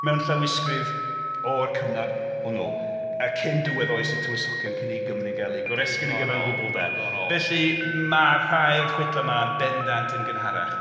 Mewn llawysgrif o'r cyfnod hwnnw yy cyn diwedd oes y tywysogion cyn i Gymru gael ei goresgyn yn gyfan gwbl de... Diddorol... Felly mae rhai o'r chwedlau yma bendant yn gynharach.